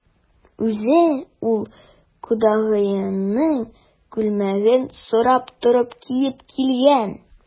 Үзе ул кодагыеның күлмәген сорап торып киеп килгән.